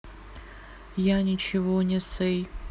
я ничего не say